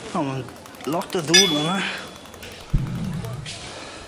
O ma'n lot o ddŵr fan 'na.